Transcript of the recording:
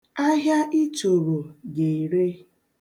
Ahịa ị choro ga-ere.